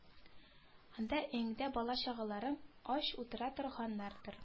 Анда өеңдә бала-чагаларың ач утыра торганнардыр